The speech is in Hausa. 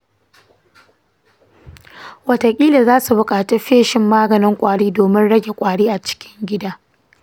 wataƙila za ku buƙaci feshin maganin kwari domin rage kwari a cikin gida.